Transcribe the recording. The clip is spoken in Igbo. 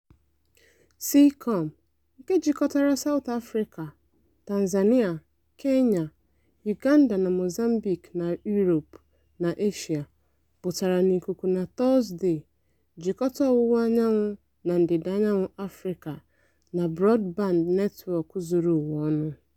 Seacom, nke jikọtara South Africa, Tanzania, Kenya, Uganda na Mozambique n'Europe na Asia, pụtara n'ikuku na Tọzdee, jikọta ọwụwaanyanwụ na ndịdaanyanwụ Afrịka na brọdband netwọk zuru ụwa ọnụ.